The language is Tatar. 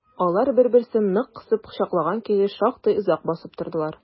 Алар бер-берсен нык кысып кочаклаган килеш шактый озак басып тордылар.